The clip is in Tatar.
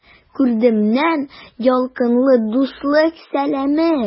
Күрдемнән ялкынлы дуслык сәламе!